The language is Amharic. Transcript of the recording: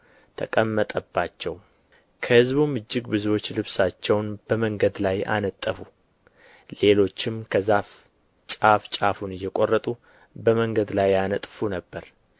ተቀመጠባቸውም ከሕዝቡም እጅግ ብዙዎች ልብሳቸውን በመንገድ ላይ አነጠፉ ሌሎችም ከዛፍ ጫፍ ጫፉን እየቈረጡ በመንገድ ላይ ያነጥፉ ነበር